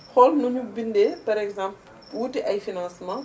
xool nuñu bindee par exemple wuti ay financements